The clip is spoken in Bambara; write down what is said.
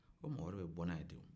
o mɔgɔ wɛrɛ bɛ bɔ na ye de